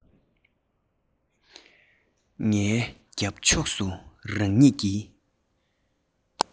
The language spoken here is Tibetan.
ངའི རྒྱབ ཕྱོགས སུ རང ཉིད ཀྱི